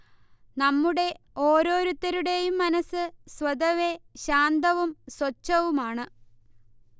നമ്മുടെ ഓരോരുത്തരുടെയും മനസ്സ് സ്വതവേ ശാന്തവും സ്വഛവുമാണ്